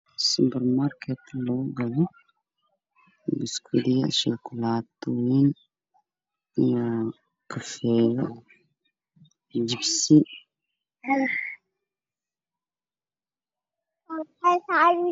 Supermarketda lagu gado buskud shukulaato burshiil iyo dugsiyo